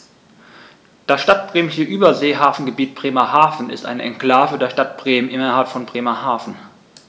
Das Stadtbremische Überseehafengebiet Bremerhaven ist eine Exklave der Stadt Bremen innerhalb von Bremerhaven.